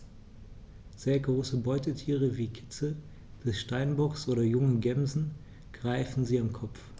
Sehr große Beutetiere wie Kitze des Steinbocks oder junge Gämsen greifen sie am Kopf.